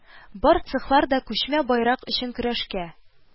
Бар цехлар да күчмә байрак өчен көрәшкә